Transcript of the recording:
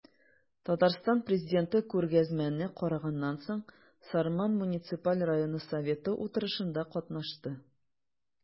Татарстан Президенты күргәзмәне караганнан соң, Сарман муниципаль районы советы утырышында катнашты.